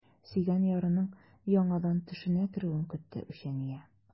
Сөйгән ярының яңадан төшенә керүен көтте үчәния.